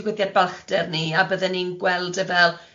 digwyddiad balchder ni, a bydden ni'n gweld e fel peth